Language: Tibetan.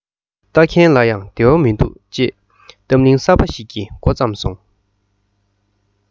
ལྟ མཁན ལ ཡང བདེ བ མི འདུག ཅེས གཏམ གླེང གསར པ ཞིག གི མགོ བརྩམས སོང